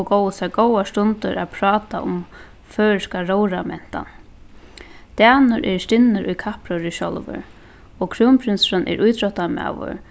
og góvu sær góðar stundir at práta um føroyska róðrarmentan danir eru stinnir í kappróðri sjálvir og krúnprinsurin er ítróttamaður